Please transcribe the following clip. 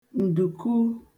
ǹdùku